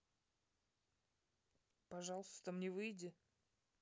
пожалуйста мне выйди